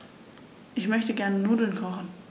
Ich möchte gerne Nudeln kochen.